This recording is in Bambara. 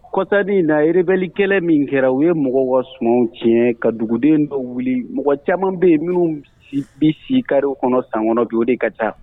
Kɔta de na yɛrɛreeleli kɛlɛ min kɛra u ye mɔgɔ wasw tiɲɛ ka duguden dɔ wuli mɔgɔ caman bɛ yen minnu bɛ si kari kɔnɔ san kɔnɔ joli de ka taa